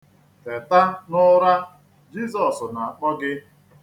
Teta n'ụra, Jizọs na-akpọ gị.